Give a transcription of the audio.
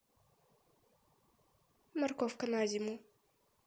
морковка на зиму